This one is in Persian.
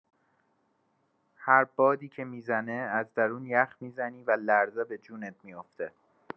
هر بادی که می‌زنه از درون یخ می‌زنی و لرزه به جونت میوفته.